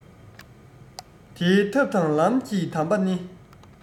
དེའི ཐབས དང ལམ གྱི དམ པ ནི